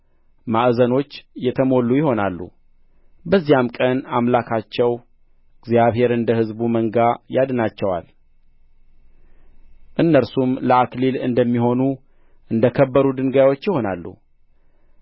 ማዕዘኖች የተሞሉ ይሆናሉ በዚያም ቀን አምላካቸው እግዚአብሔር እንደ ሕዝቡ መንጋ ያድናቸዋል እነርሱም ለአክሊል እንደሚሆኑ እንደ ከበሩ ድንጋዮች ይሆናሉ